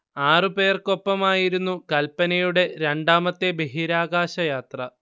ആറു പേർക്കൊപ്പമായിരുന്നു കൽപനയുടെ രണ്ടാമത്തെ ബഹിരാകാശ യാത്ര